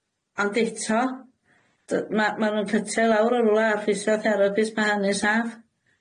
Ond eto dy- ma' ma' nw'n cutio i lawr o rwla ar physiotherapist, ma' hynny'n saff.